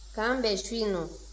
k'an bɛn su in nɔ